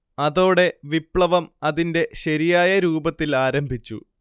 അതോടെ വിപ്ലവം അതിന്റെ ശരിയായ രൂപത്തിൽ ആരംഭിച്ചു